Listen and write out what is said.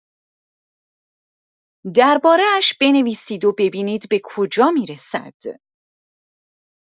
درباره‌اش بنویسید و ببینید به کجا می‌رسد.